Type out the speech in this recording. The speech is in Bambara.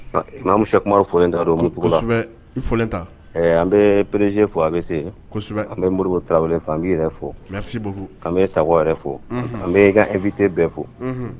Mu sekumalen ta dɔw ta an bɛ pereze fɔ a bɛ se an bɛ mori tarawele fɛ an b' yɛrɛ fɔ an sakɔ yɛrɛ fɔ an bɛpte bɛɛ fo